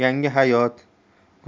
yangi hayot